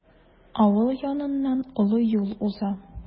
Авыл яныннан олы юл уза.